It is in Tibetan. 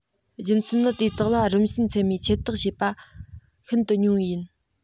རྒྱུ མཚན ནི དེ དག ལ རིམ ཞན མཚན མའི ཁྱད རྟགས ཡོད པ ཤིན ཏུ ཉུང བས ཡིན